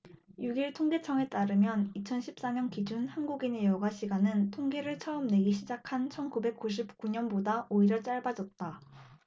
육 일 통계청에 따르면 이천 십 사 년 기준 한국인의 여가 시간은 통계를 처음 내기 시작한 천 구백 구십 구 년보다 오히려 짧아졌다